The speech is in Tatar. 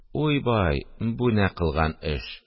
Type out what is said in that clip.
– уй-бай, бу нә кылган эш?!